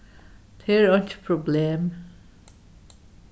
tað er einki problem